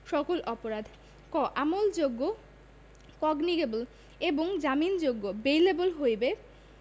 সকল অপরাধঃ ক আমলযোগ্য কগনিযেবল এবং জামিনযোগ্য বেইলএবল হইবে